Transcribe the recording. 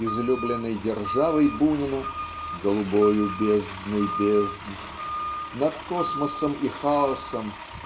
излюбленной державой Бунина "голубою бездной бездн" над космосом и хаосом